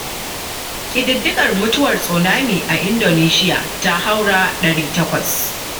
Ƙididdigar Mutuwar Tsunami a Indonesiya Ta Haura 800